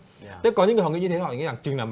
nhưng có những người như thế họ lại nghĩ rằng chừng nào